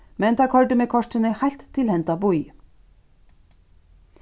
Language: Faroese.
men teir koyrdu meg kortini heilt til henda bý